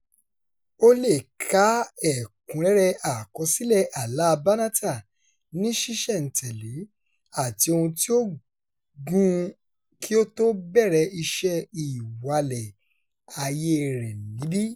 O lè ka ẹ̀kúnrẹ́rẹ́ àkọsílẹ̀ àláa Banatah ní ṣísẹ̀-n-tẹ̀lé àti ohun tí ó gùn ún kí ó tó bẹ̀rẹ̀ iṣẹ́ ìwalẹ̀ ayée rẹ̀ níbí: